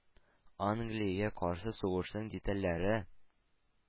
Англиягә каршы сугышның детальләре,